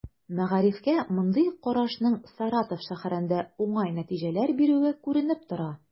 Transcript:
Мәгарифкә мондый карашның Саратов шәһәрендә уңай нәтиҗәләр бирүе күренеп тора.